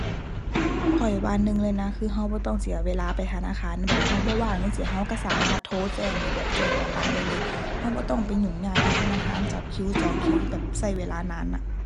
ข้อยว่าหนึ่งเลยนะ คือเราบ่ต้องเสียเวลาไปธนาคาร แบบเราบ่ว่างจั่งซี้ เราเราสามารถโทรแจ้งหรือแบบแจ้งออนไลน์ได้เลย เราบ่ต้องไปยุ่งยากอยู่ธนาคาร จับคิว จองคิว แบบเราเวลานานน่ะ